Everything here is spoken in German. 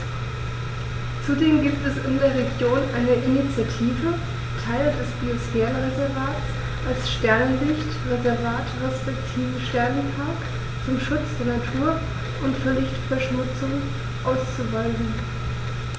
Zudem gibt es in der Region eine Initiative, Teile des Biosphärenreservats als Sternenlicht-Reservat respektive Sternenpark zum Schutz der Nacht und vor Lichtverschmutzung auszuweisen.